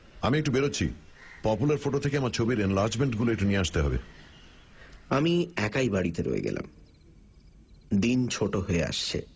আমি একটু বেরুচ্ছি পপুলার ফোটো থেকে আমার ছবির এনলাজমেন্টগুলো নিয়ে আসতে হবে আমি একাই বাড়িতে রয়ে গেলাম দিন ছোট হয়ে আসছে